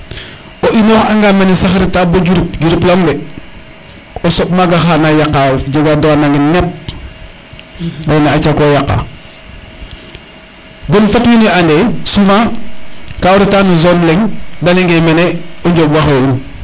o inor anga mene sax reta bo Diouroup Diouroup leyong de o soɓ ma xana yaqa jega droit nangin nep leyne aca ko yaqa bon fat wiin we ande souvent ka o reta no zone leŋ le ley nge mene o Ndiop waxwe in